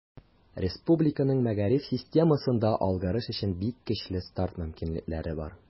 Республиканың мәгариф системасында алгарыш өчен бик көчле старт мөмкинлекләре бар.